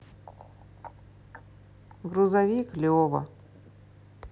грузовик лева